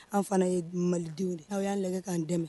An fana ye malidenw de ye aw y'a lajɛ k'an dɛmɛ